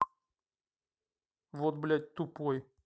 вот блять тупой